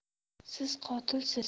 siz qotilsiz